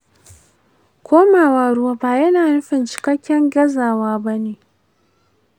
komawa ruwa ba yana nufin cikakken gazawa bane.